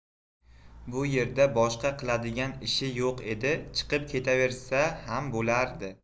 bu yerda boshqa qiladigan ishi yo'q edi chiqib ketaversa ham bo'lardi